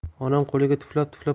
onam qo'liga tuflab tuflab